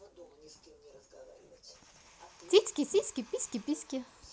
титьки сиськи письки письки